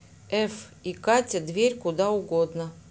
эф и катя дверь куда угодно